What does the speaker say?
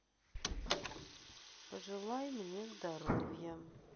пожелай мне здоровья